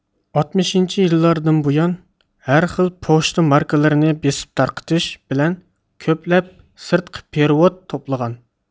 ئاتمىشىنچى يىللاردىن بۇيان ھەرخىل پوچتا ماركىلىرىنى بېسىپ تارقىتىش بىلەن كۆپلەپ سىرتقى پېرېۋوت توپلىغان